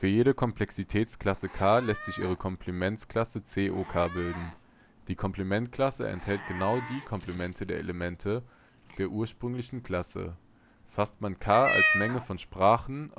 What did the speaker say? jede Komplexitätsklasse K lässt sich ihre Komplementklasse CoK bilden: Die Komplementklasse enthält genau die Komplemente der Elemente der ursprünglichen Klasse. Fasst man K als Menge von Sprachen